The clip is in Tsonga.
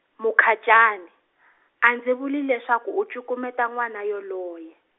Mukhacani, a ndzi vuli leswaku u cukumeta n'wana yoloye.